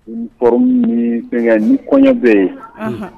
N forominifɛn ni kɔɲɔ bɛ yen